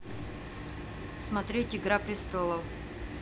смотреть игра престолов